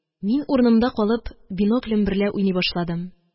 Мин, урынымда калып, биноклем берлә уйный башладым.